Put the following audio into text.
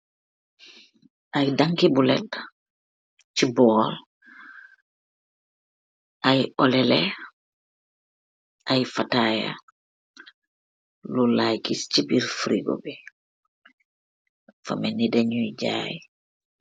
Aiy danki bulet, chi bol, aiy olele, aiy fataya, lol la giss chi birr firgo bi. Defa melni denyui jai.